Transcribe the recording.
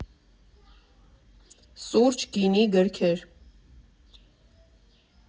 ՍՈՒՐՃ, ԳԻՆԻ, ԳՐՔԵՐ։